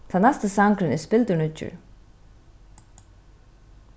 tann næsti sangurin er spildurnýggjur